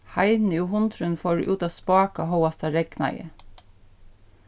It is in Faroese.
heini og hundurin fóru út at spáka hóast tað regnaði